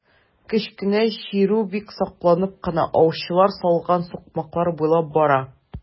Кечкенә чирү бик сакланып кына аучылар салган сукмаклар буйлап бара.